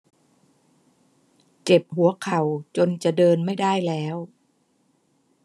เจ็บหัวเข่าจนจะเดินไม่ได้แล้ว